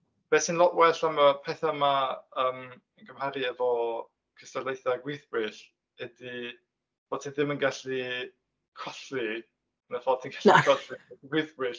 Be sy'n lot well am y petha 'ma yym i gymharu efo cystadleuaethau gwyddbwyll, ydy bod ti ddim yn gallu colli yn y ffordd ti'n gallu... na... colli gwyddbwyll.